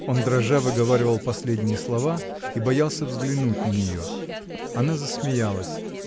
Он дрожа выговаривал последние слова и боялся взглянуть на нее. Она засмеялась.